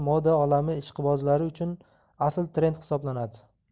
moda olami ishqibozlari uchun asl trend hisoblanadi